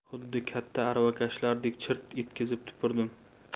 xuddi katta aravakashlardek chirt etkizib tupurdim